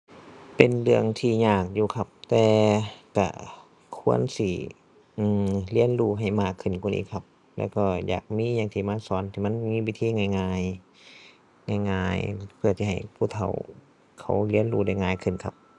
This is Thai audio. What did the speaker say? เป็นเรื่องที่ยากอยู่ครับ แต่ก็ควรสิ อือ เรียนรู้ให้มากขึ้นกว่านี้ครับ แล้วก็อยากมีหยังที่มันสอน ที่มันมีวิธีง่ายง่าย ง่ายง่าย เพื่อที่ให้ผู้เฒ่า เขาเรียนรู้ได้ง่ายขึ้นครับ